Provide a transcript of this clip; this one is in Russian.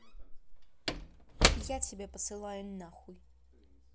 я тебя посылаю нахуй